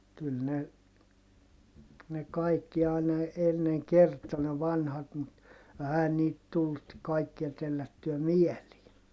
kyllä ne ne kaikki aina ennen kertoi ne vanhat mutta eihän niitä tullut kaikkia tellättyä mieliin